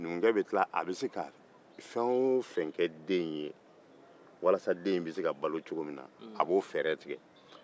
numukɛ bɛ tila a bɛ se ka fɛn o fɛn kɛ den in ye a b'o fɛɛrɛ tigɛ